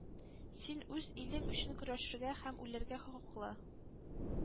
Син үз илең өчен көрәшергә һәм үләргә хокуклы.